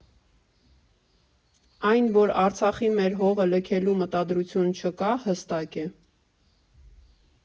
Այն, որ Արցախի մեր հողը լքելու մտադրություն չկա, հստակ է։